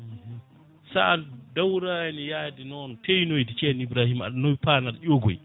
sa dawrani yaade noon teenoyde ceerno Ibrahima aɗa nawi paan aɗa ƴogoyi